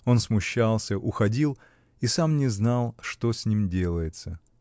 Он смущался, уходил и сам не знал, что с ним делается.